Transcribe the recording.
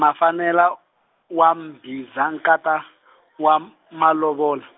Mafanele, wa Mbhiza nkata , wa M-, Malovola.